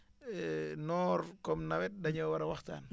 noor comme nawet dañoo war a waxtaan